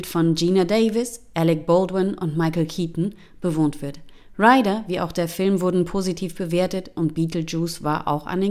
von Geena Davis, Alec Baldwin und Michael Keaton) bewohnt wird. Ryder wie auch der Film wurden positiv bewertet und Beetlejuice war auch an